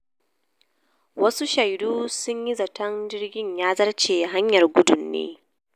Wasu shaidu sun yi zaton jirgin ya zarce hanyar gudun ne.